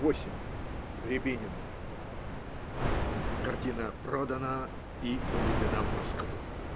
Восемь РЯБИНИН. Картина продана и увезена в Москву.